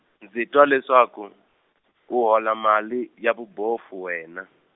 ndzi twa leswaku u hola mali ya vubofu wena.